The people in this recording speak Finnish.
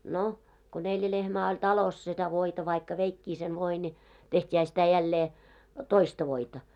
no kun neljä lehmää oli talossa sitä voita vaikka veikin sen voin niin tehtiinhän sitä jälleen toista voita